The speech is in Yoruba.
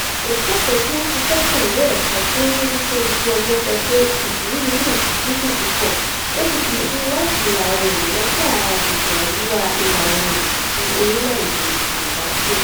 Òṣìṣẹ́ kan tí ó ń ṣisẹ́ pẹ̀lú Ẹ̀ka tí ó ń Mójútó Ojú Ọjọ́ sọ pé ìjì líle náà ti dínkù púpọ̀ ó sì ti sún láti ìlà-oòrùn lọ sí àwọn agbègbè àríwá ìlà-oòrùn ti orílẹ̀-èdè Zimbabwe.